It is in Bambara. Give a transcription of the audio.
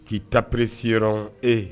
K'i taprisi ee